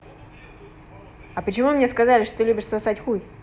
а почему мне сказали что ты любишь сосать хуй